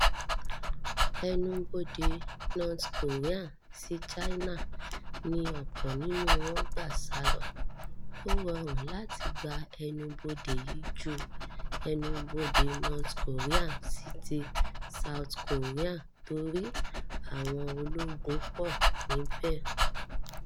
Enubodè North Korea sí China ni ọ̀pọ̀ nínụ́ wọn ń gbà sálọ. Ó rọrùn láti gba ẹnubodè yí ju ẹnubodè North Korea sí ti South Korea torí àwọn ológun pọ̀ níbẹ̀.